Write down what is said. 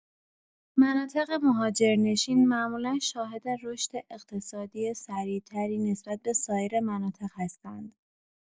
مناطق مهاجرنشین معمولا شاهد رشد اقتصادی سریع‌تری نسبت به سایر مناطق هستند.